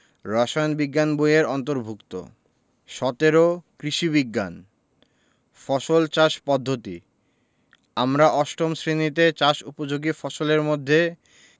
রসায়ন বিজ্ঞান বই এর অন্তর্ভুক্ত ১৭ কৃষি বিজ্ঞান ফসল চাষ পদ্ধতি আমরা অষ্টম শ্রেণিতে চাষ উপযোগী ফসলের মধ্যে